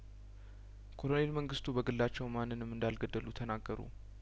ኮሎኔል መንግስቱ በግላቸው ማንንም እንዳል ገደሉ ተናገሩ